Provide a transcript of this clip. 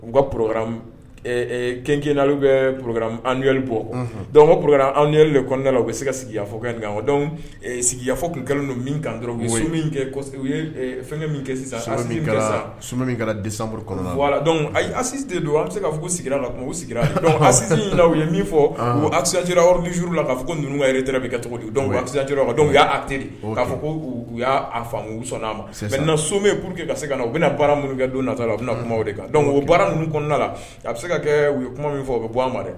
U ka p kink na u bɛ p anli bɔ dɔnku pur an yɛrɛ deda la u bɛ se ka sigifɔ sigiyafɔ kelen ninnu kan dɔrɔn kɛ u fɛn min kɛ sisan di kɔnɔsite don an bɛ se ka fɔ la tuma sigira u ye min fɔ u asi wariuru la k'a ko ninnu ka yɛrɛ bɛ ka cogo di ka y'a teri k kaa ko u y'a sɔn'a ma na so min pur que ka se ka u bɛna baara min kɛ don nata la u bɛna kuma de kan dɔnku o baara ninnu kɔnɔna la a bɛ se ka kɛ u ye kuma min fɔ u bɛ bɔ an ma dɛ